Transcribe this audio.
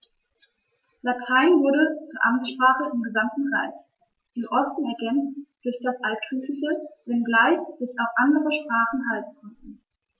Latein wurde zur Amtssprache im gesamten Reich (im Osten ergänzt durch das Altgriechische), wenngleich sich auch andere Sprachen halten konnten.